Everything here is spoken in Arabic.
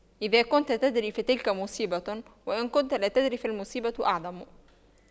إذا كنت تدري فتلك مصيبة وإن كنت لا تدري فالمصيبة أعظم